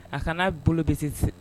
A kana n'a bolo bɛse